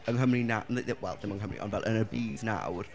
yng Nghymru naw- ni- wi... wel, ddim yng Nghymru, ond yn y byd nawr...